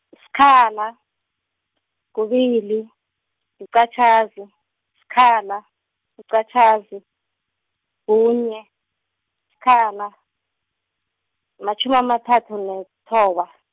sikhala, kubili, liqatjhazi, sikhala, liqatjhazi, kunye, sikhala, matjhumi amathathu nethoba.